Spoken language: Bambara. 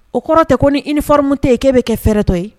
O kɔrɔ tɛ ko ni uniforme tɛ yen k'e bɛ kɛ fɛrɛtɔ ye.